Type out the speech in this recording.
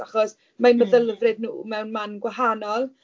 Achos, mae eu... m-hm. ...meddylfryd nhw mewn man gwahanol.